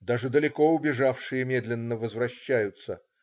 Даже далеко убежавшие медленно возвращаются.